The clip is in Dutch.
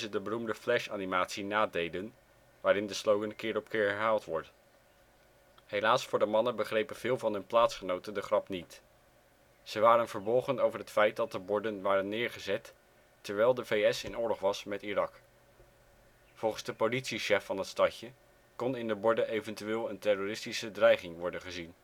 de beroemde Flash-animatie nadeden waarin de slogan keer op keer herhaald wordt. Helaas voor de mannen begrepen veel van hun plaatsgenoten de grap niet. Ze waren verbolgen over het feit dat de borden waren neergezet terwijl de VS in oorlog waren met Irak. Volgens de politiechef van het stadje kon in de borden eventueel een terroristische dreiging worden gezien